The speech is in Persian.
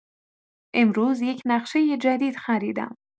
امروز یک نقشۀ جدید خریدم.